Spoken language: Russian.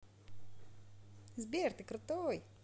сбер ты крутой